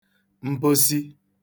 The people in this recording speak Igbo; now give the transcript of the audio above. mposi